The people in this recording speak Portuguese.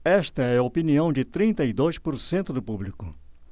esta é a opinião de trinta e dois por cento do público